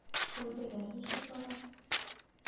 Сәүдәләр ничек бара?